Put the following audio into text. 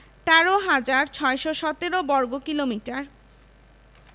১৩হাজার ৬১৭ বর্গ কিলোমিটার